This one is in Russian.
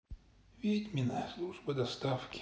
ведьмина служба доставки